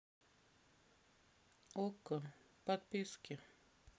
окко подписки